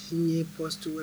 F ye kɔtu